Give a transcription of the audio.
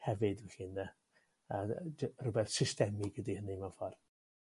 hefyd felly ynde? A dd- jy- rhywbeth systemig ydy hynny mewn ffor'.